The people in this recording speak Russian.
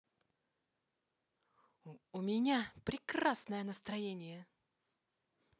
у меня прекрасное настроение